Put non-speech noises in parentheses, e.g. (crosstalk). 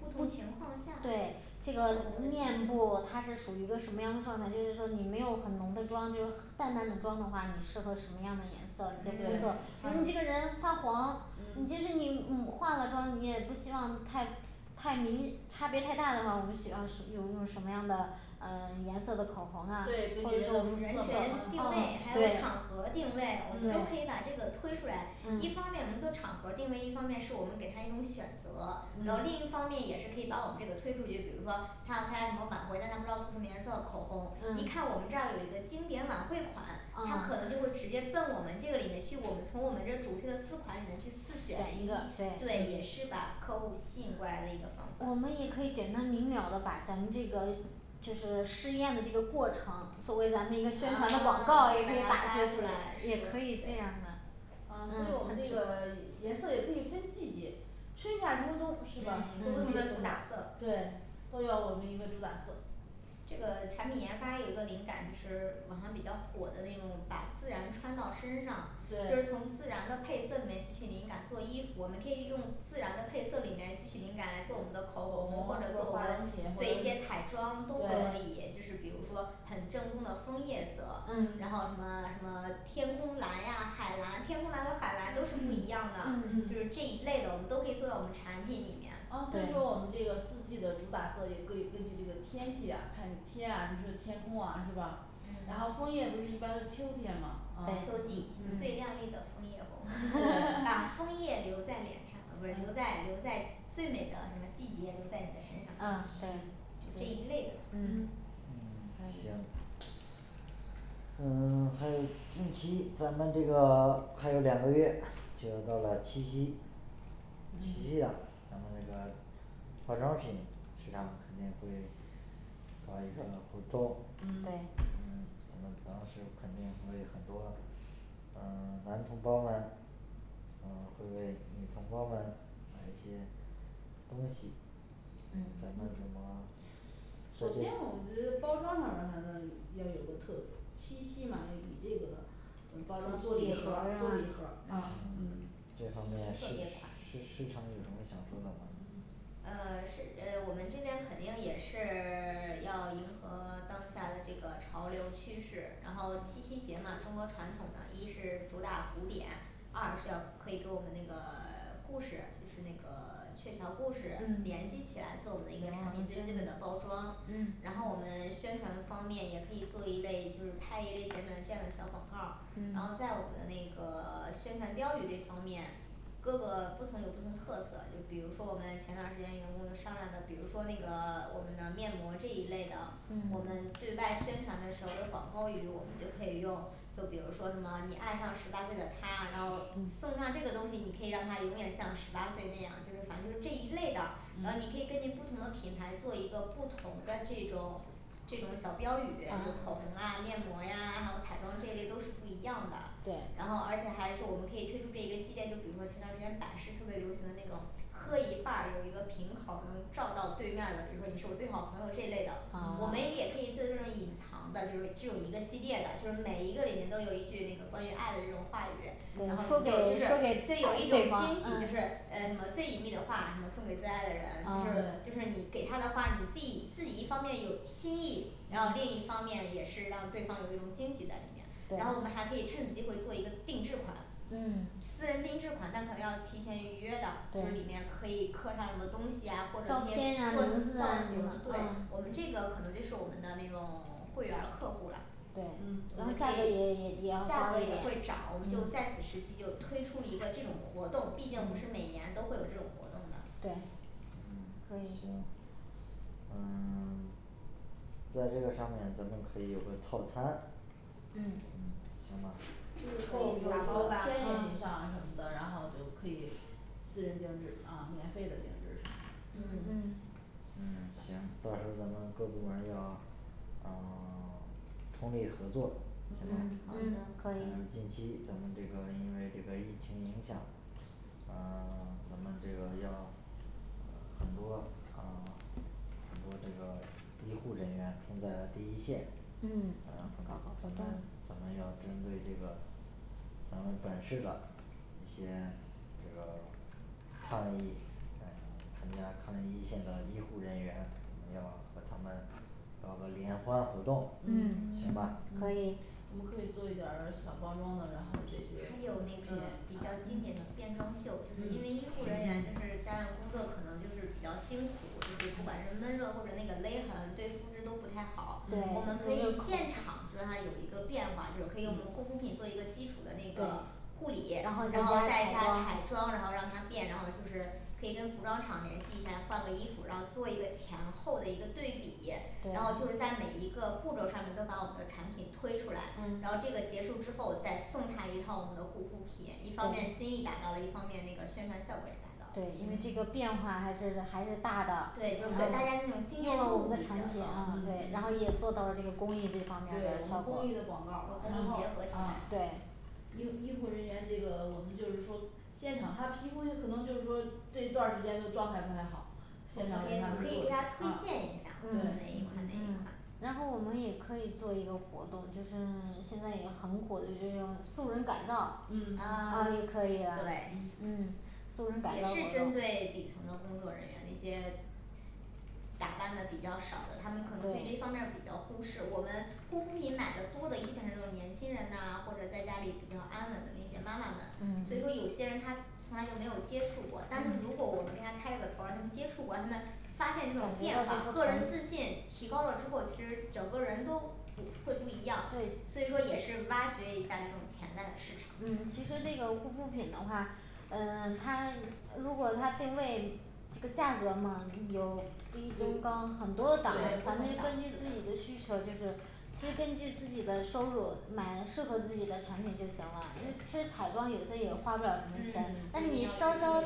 不同情况下 (silence) 对这个面部它是属于一个什么样的状态就是说你没有很浓的妆，就是淡淡的妆的话，你适合什么样的颜色你就会嗯说对。 说你这个人发黄，你就嗯是你你化了妆，你也不希望太太明差别太大的话，我们需要使用用什么样的呃 (silence) 颜色的口红呢对或根据者人说人的群肤嗯色啊定嘛啊位对对还有场合儿定位我们都可以嗯把这个推出来一嗯方面我们说场合儿定位一方面是我们给他一种选择然后另嗯一方面也是可以把我们这个推出去比如说她要参加什么晚会，但她不知道涂什么颜色的口红，一嗯看我们这儿有一个经典晚会款，她啊可能就会直接奔我们这个里面去，去我们从我们这主推的四款里面去四选选一一个对对也是把客户吸引过来的一个方法我们也可以简单明了的把咱们这个就是试验的这个过程作为咱们的一个啊宣 (silence) 把传的它广告，发也可以打出出来去也可以这样呢啊所以嗯我们这个颜色也可以分季节。春夏秋冬是嗯都吧？不同的主打色对，都要我们一个主打色这个产品研发有一个灵感，就是网上比较火的那种，把自然穿到身上，就是对从自然的配色里面吸取灵感做衣服，我们可以用自然的配色里面吸取灵感来做我们的口口红红做化妆品，做或者一些彩妆都可以，就对是比如说很正宗的枫叶色，然嗯后什么什么天空蓝呀海蓝天空蓝和海蓝都是不一样嗯的，嗯就是这一类的我们都可以做到我们产品里面，啊所以对说我们这个四季的主打色也可以根据这个天气呀看天啊，你说天空啊是吧然后嗯枫叶不是一般都是秋天嘛呃对秋季嗯对最亮对嗯丽的枫叶红， (noise) 对把枫叶留在脸上，不是留在留在最美的什么季节留在你的身上啊是就这一类的嗯嗯嗯行嗯呃 (silence) 还有近期咱们这个 (silence) 还有两个月就要到了七夕七嗯夕呀咱们这个化妆品市场肯定会搞一个活动嗯嗯对我们主要是肯定会很多呃男同胞们呃会为女同胞们买一些东西嗯咱嗯们怎么首先我们觉得包装上边儿反正要有个特色七夕嘛要以这个呃包装做礼礼盒盒儿儿呀做礼盒儿哦嗯这方面市特别款市市场有什么想说的吗呃是呃我们这边肯定也是 (silence) 要迎合当下的这个潮流趋势，然后七夕节嘛中国传统的一是主打古典二是要可以给我们那个 (silence) 故事就是那个鹊桥故事嗯联系起来，做我们的一个产品最基本的包装，嗯然后我们宣传方面也可以做一类就是拍一类简短这样的小广告儿，然嗯后在我们的那个 (silence) 宣传标语这方面各个不同有不同特色，就比如说我们前段儿时间员工商量的，比如说那个 (silence) 我们的面膜这一类的，嗯我们对外宣传的时候的有广告语，我们就可以用就比如说什么你爱上十八岁的他然后送上这个东西，你可以让他永远像十八岁那样，就是反正就这一类的，然后嗯你可以根据不同的品牌做一个不同的这种这种小标语，有口红啊面膜呀，还有彩妆这一类都是不一样的，对然后而且还是我们可以推出这一个系列，就比如说前段时间百事特别流行的那种喝一半儿有一个瓶口儿能照到对面儿的，比如说你是我最好朋友这一类的，我们也可嗯啊以做这种隐藏的，就是说只有一个系列的，就是每一个里面都有一句那个关于爱的这种话语，你然说后说你就就是给给对惊喜就是，呃什么最隐秘的话，什么送给最爱的人，就是就对啊是你给他的话，你自己自己一个方面有新意，然后另嗯一方面也是让对方有一种惊喜在里面然后我们对还可以趁此机会做一个定制款嗯 (silence) 私人定制款但可能要提前预约的，就是里对面可以刻上什么东西啊，或照者一些片啊做文名字字造啊什型么，对的啊我们这个可能就是我们的那种会员儿客户了对嗯然然后后可价格也也以也要价高格一也点会涨，我们就在此时期就推出一个这种活动，毕竟不是每年都会有这种活动对的嗯可以行嗯 (silence) 在这个上面咱们可以有个套餐嗯嗯行吧就是可到比以如打包说吧千元嗯以上啊什么的然后就可以私人订制，啊免费的订制什么的嗯嗯嗯行到时候咱们各部门儿要嗯 (silence) 通力合作行吧嗯嗯嗯可呃以近期咱们这个因为这个疫情影响呃 (silence) 咱们这个要很多啊很多这个医护人员冲在了第一线，嗯嗯那么我们嗯咱们要针对这个咱们本市的一些这个抗疫嗯参加抗疫一线的医护人员，我们要和他们搞个联欢活动嗯嗯行吧可嗯以我们可以做一点儿小包装的，然后这些还有那个比较嗯经典的变装秀，就是因为嗯医护人员就是当然工作可能就是比较辛苦，就是不管是闷热或者那个勒痕，对肤质都不太好，我嗯们可以现场就让它有一个变化，就可以用我们嗯护肤品做一个基础的那个护理，然然后后再一上下彩彩妆妆然后让它变，然后就是可以跟服装厂联系一下，换个衣服，然后做一个前后的一个对比，然后就对是在每一个步骤上面都把我们的产品推出来，然后这个嗯结束之后再送她一套我们的护肤品，一方面心对意达到了，一方面那个宣传效果也达到了，对对就因为是这个变化还是还是大的给大家那种惊嗯用艳了我度比们较高和公的益产品嗯对然嗯后也做到了这个公益结这合对我方面的起效们果公益的广告儿嘛。然后来嗯啊对医医护人员这个我们就是说现场他皮肤也可能就是说这段儿时间都状态不太好我可以现场我给他们做可以给一下他推啊荐一下对哪一款哪嗯一款然后我们也可以做一个活动，就是现在一个很火的这种素人改造嗯啊也可以的对嗯素人改也造活是针动对底层的工作人员那些打扮的比较少的，他们可啊能对这一对方面儿比较忽视，我们护肤品买的多的一般都是年轻人呐，或者在家里比较安稳的那些妈妈们，嗯嗯所以说有些人她从来就没有接触过，但是如嗯果我们给她开了个头儿让他们接触过，他们发现这种我变觉化个得人这自就信很提高了之后，其实整个人都唔会不一样所以说也是挖掘一下这种潜在的市对场。嗯其实这个护肤品的话嗯它如果它定位这个价格嘛有低中有高，很多档位对不咱们同档根据自己次的的需求，就是其实根据自己的收入买适合自己的产品就行了，因为其实彩妆有时候也花不了嗯不一定要最贵的对那么多钱，但是你稍稍